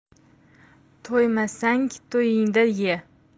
to'ymasang to'yingda ye